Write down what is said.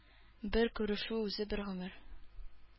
Бер күрешү үзе бер гомер.